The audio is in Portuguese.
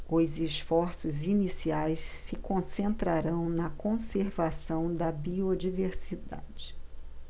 os esforços iniciais se concentrarão na conservação da biodiversidade